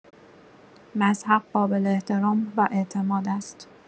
مذهب قابل‌احترام و اعتماد است.